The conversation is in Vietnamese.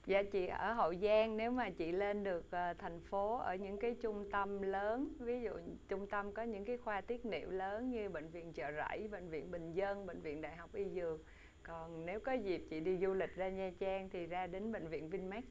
dạ chị ở hậu giang nếu mà chị lên được thành phố ở những cái trung tâm lớn ví dụ trung tâm có những cái khoa tiết niệu lớn như bệnh viện chợ rẫy bệnh viện bình dân bệnh viện đại học y dược còn nếu có dịp chị đi du lịch ra nha trang thì ra đến bệnh viện vin mếch